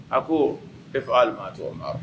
A ko e fa a tɔgɔ ma